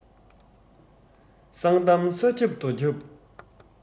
གསང གཏམ ས ཁྱབ རྡོ ཁྱབ